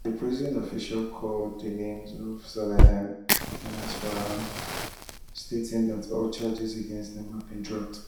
A prison official called the names of Zelalem and Asmamaw, stating that all charges against them had been dropped.